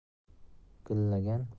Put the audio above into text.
gullagan vodiy yuzidan